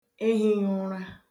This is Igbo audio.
ehīghịụra